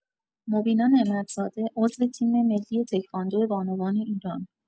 «مبینا نعمت‌زاده» عضو تیم‌ملی تکواندو بانوان ایران